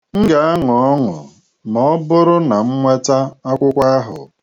M ga-aṅụ ọnụ ma ọ bụrụ na m nweta akwụkwọ ahu.